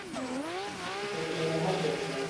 เปิดแอร์ในห้องเก็บของ